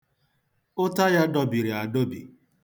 Ụta ya dọbiri adọbi.